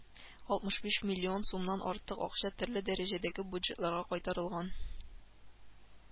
Алтмыш биш миллион сумнан артык акча төрле дәрәҗәдәге бюджетларга кайтарылган